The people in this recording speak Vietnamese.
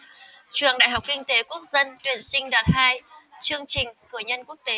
trường đại học kinh tế quốc dân tuyển sinh đợt hai chương trình cử nhân quốc tế